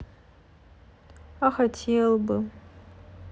а хотел бы